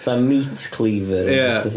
Fatha meat cleaver... Ia.